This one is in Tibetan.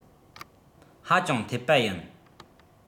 ཧ ཅང འཐད པ ཡིན